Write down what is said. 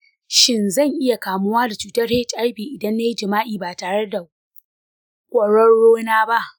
shin zan iya kamuwa da cutar hiv idan na yi jima'i ba tare da kwarorona ba?